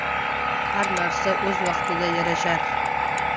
har narsa o'z vaqtida yarashar